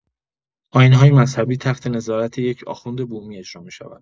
آیین‌های مذهبی تحت نظارت یک آخوند بومی اجرا می‌شود.